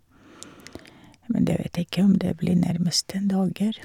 Men det vet jeg ikke om det blir nærmeste dager.